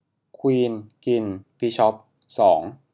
ควีนกินบิชอปสอง